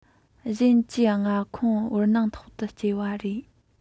གཞན གྱི མངའ ཁོངས བར སྣང ཐོག ཏུ བསྐྱལ བའི རེད